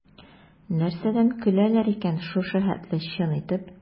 Нәрсәдән көләләр икән шушы хәтле чын итеп?